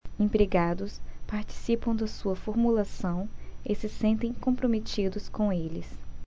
empregados participam da sua formulação e se sentem comprometidos com eles